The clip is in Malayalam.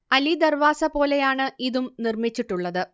അലിദർവാസ പോലെയാണ് ഇതും നിർമിച്ചിട്ടുള്ളത്